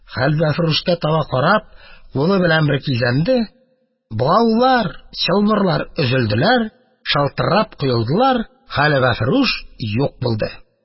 Хәлвәфрүшкә таба карап, кулы белән бер кизәнде — богаулар, чылбырлар өзелделәр, шылтырап коелдылар, хәлвәфрүш юк булды.